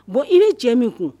Bon i bi cɛ min kun